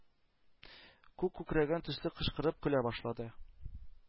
Күк күкрәгән төсле кычкырып көлә башлады.